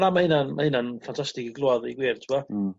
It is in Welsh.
on na ma' hynna'n ma' hynna'n ffantastig i glwad i ddeu gwir t'wo... hmm